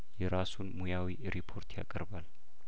የራሱን ሙያዊ ሪፖርት ያቀርባል